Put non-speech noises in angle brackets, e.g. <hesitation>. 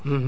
<hesitation> <hesitation>